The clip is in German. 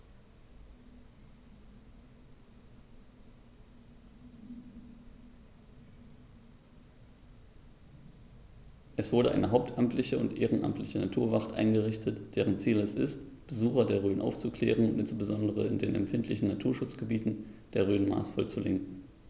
Es wurde eine hauptamtliche und ehrenamtliche Naturwacht eingerichtet, deren Ziel es ist, Besucher der Rhön aufzuklären und insbesondere in den empfindlichen Naturschutzgebieten der Rhön maßvoll zu lenken.